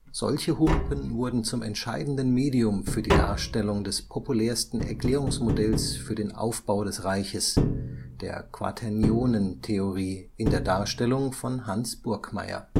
Solche Humpen wurden zum entscheidenden Medium für die Darstellung des populärsten Erklärungsmodells für den Aufbau des Reiches, der Quaternionentheorie in der Darstellung von Hans Burgkmair